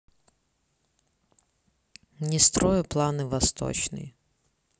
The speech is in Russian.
не строю планы восточный